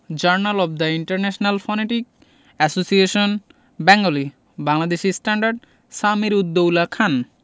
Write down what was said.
journal of the international phonetic association Bengali Bangladeshi standard Sameer ud Dowla Khan